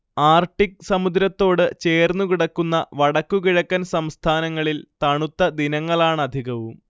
Arctic സമുദ്രത്തോട് ചേർന്നുകിടക്കുന്ന വടക്കു കിഴക്കൻ സംസ്ഥാനങ്ങളിൽ തണുത്ത ദിനങ്ങളാണധികവും